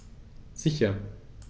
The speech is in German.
Sicher.